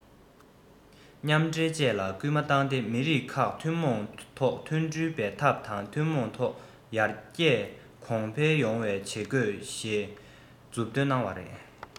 མཉམ འདྲེས བཅས ལ སྐུལ མ བཏང སྟེ མི རིགས ཁག ཐུན མོང ཐོག མཐུན སྒྲིལ འབད འཐབ དང ཐུན མོང ཐོག དར རྒྱས གོང འཕེལ ཡོང བ བྱེད དགོས ཞེས མཛུབ སྟོན གནང བ རེད